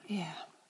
Ia.